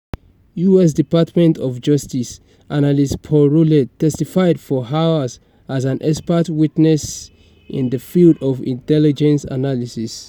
U.S. Department of Justice Analyst Paul Rowlett testified for hours as an expert witness in the field of intelligence analysis.